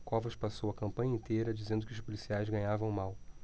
covas passou a campanha inteira dizendo que os policiais ganhavam mal